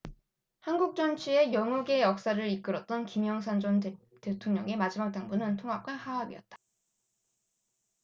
한국정치 영욕의 역사를 이끌었던 김영삼 전 대통령의 마지막 당부는 통합과 화합이었다